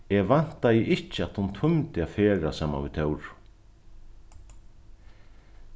eg væntaði ikki at hon tímdi at ferðast saman við tóru